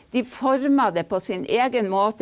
de forma det på sin egen måte.